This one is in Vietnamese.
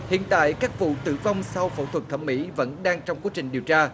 hiện tại các vụ tử vong sau phẫu thuật thẩm mỹ vẫn đang trong quá trình điều tra